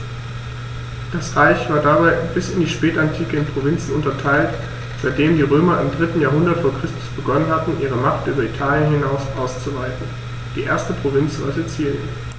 Das Reich war dabei bis in die Spätantike in Provinzen unterteilt, seitdem die Römer im 3. Jahrhundert vor Christus begonnen hatten, ihre Macht über Italien hinaus auszuweiten (die erste Provinz war Sizilien).